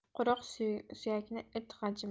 quruq suyakni it g'ajimas